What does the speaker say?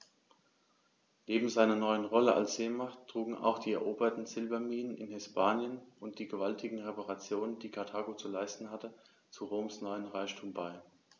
Neben seiner neuen Rolle als Seemacht trugen auch die eroberten Silberminen in Hispanien und die gewaltigen Reparationen, die Karthago zu leisten hatte, zu Roms neuem Reichtum bei.